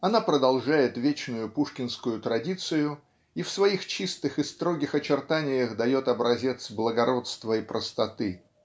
Она продолжает вечную пушкинскую традицию и в своих чистых и строгих очертаниях дает образец благородства и простоты.